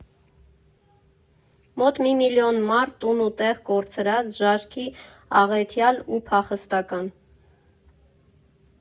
Մոտ մի միլիոն մարդ տուն ու տեղ կորցրած՝ ժաժքի աղետյալ ու փախստական։